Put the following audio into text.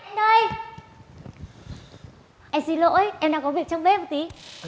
em đây em xin lỗi em đang có việc trong bếp một tí